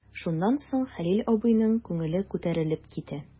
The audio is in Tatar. Шуннан соң Хәлил абыйның күңеле күтәрелеп китә.